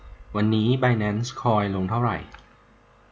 วันนี้ไบแนนซ์คอยลงเท่าไหร่